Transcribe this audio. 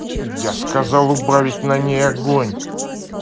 я сказал убавить на ней огонь